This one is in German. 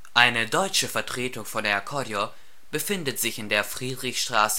Eine deutsche Vertretung von Air Koryo befindet sich in der Friedrichstraße